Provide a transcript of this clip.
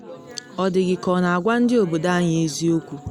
“Ọ dị gị ka ọ na agwa ndị obodo anyị eziokwu?